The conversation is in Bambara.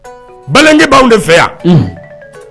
Bakɛbaa de fɛ yan